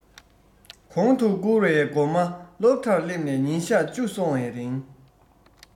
གོང དུ བསྐུར བའི སྒོར མ སློབ གྲྭར སླེབས ནས ཉིན གཞག བཅུ སོང བའི རིང